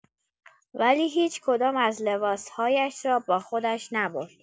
ولی هیچ‌کدام از لباس‌هایش را با خودش نبرد.